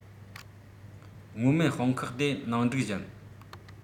སྔོན མེད དཔུང ཁག དེ ནང སྒྲིག བཞིན